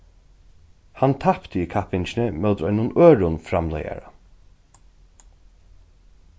hann tapti í kappingini ímóti einum øðrum framleiðara